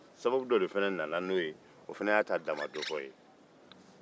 sababu dɔ de fana nana n'o ye o fana y'a ta danmadɔfɔ